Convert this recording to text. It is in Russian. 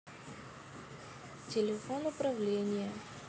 телефон управление